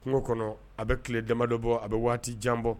Kungo kɔnɔ a bɛ tile damabadɔ bɔ a bɛ waati jan bɔ